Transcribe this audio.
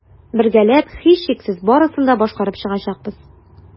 Бергәләп, һичшиксез, барысын да башкарып чыгачакбыз.